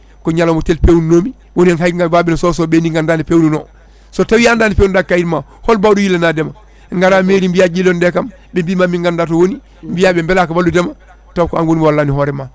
ko ñalawma tel pewnunomi woni hen hay waɓe no Sow soɓeɓe ni ganda nde pewnuno so tawi a anda nde pewnuɗa kayit ma hol mbaɗo yilanadema gara mairie mbiya jilono ɗekam ɓe mbima min ganda to woni mbiya ɓe mbelaka walludema taw ko an woni mo wallani hoorema